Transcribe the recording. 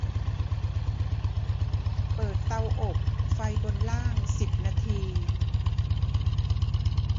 เปิดเตาอบไฟบนล่างสิบนาที